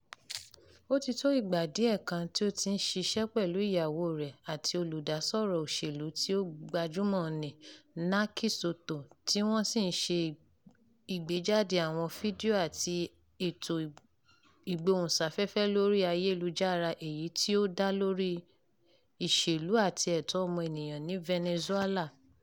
Ó ti tó ìgbà díẹ̀ kan tí ó ti ń ṣiṣẹ́ pẹ̀lú ìyàwó rẹ̀ àti olùdásọ́rọ̀ òṣèlú tí ó gbajúmọ̀ n nì, Naky Soto, tí wọn sì ń ṣe ìgbéjáde àwọn fídíò àti ètò Ìgbóhùnsáfẹ́fẹ́ lórí ayélujára èyí tí ó dá lórí ìṣèlú àti ẹ̀tọ́ ọmọ ènìyàn ní Venezuela.